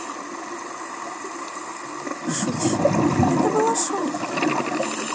шучу это была шутка